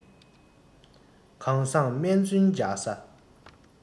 གང བཟང སྨན བཙུན མཇལ ས